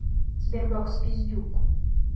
sberbox пиздюк